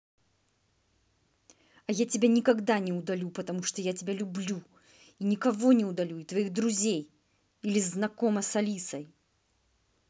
я тебя никогда не удалю потому что я тебя люблю и никого не удалю и твоих друзей или знакома с алисой